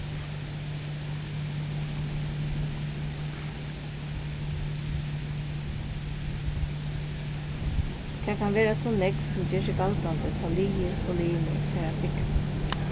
tað kann vera so nógv sum ger seg galdandi tá liðir og limir fara at vikna